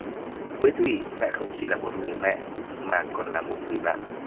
với thủy mẹ không chỉ là một người mẹ mà còn là một người bạn